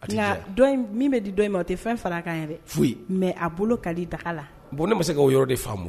Nka min bɛ di dɔn in ma,o tɛ fɛn fara kan yɛrɛ. Foyi. Mɛ a bolo ka di daga la. Bon ne ma se k'o yɔrɔ de faamu.